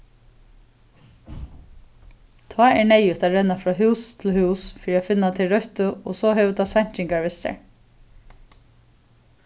tá er neyðugt at renna frá hús til hús fyri at finna tey røttu og so hevur tað seinkingar við sær